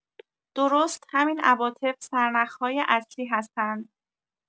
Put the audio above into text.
درست همین عواطف سرنخ‌های اصلی هستند.